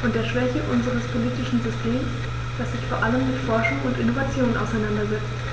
und der Schwäche unseres politischen Systems, das sich vor allem mit Forschung und Innovation auseinandersetzt.